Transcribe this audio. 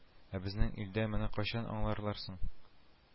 Ә безнең илдә моны кайчан аңларлар соң